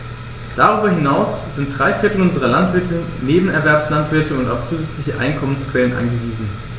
Darüber hinaus sind drei Viertel unserer Landwirte Nebenerwerbslandwirte und auf zusätzliche Einkommensquellen angewiesen.